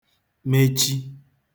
mechi